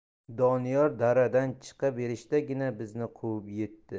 doniyor daradan chiqa berishdagina bizni quvib yetdi